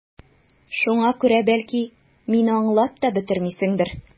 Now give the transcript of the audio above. Шуңа күрә, бәлки, мине аңлап та бетермисеңдер...